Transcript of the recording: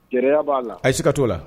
Gɛlɛya b'a la. Ayi siga t'o la.